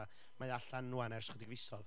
a mae o allan ŵan ers chydig fisoedd,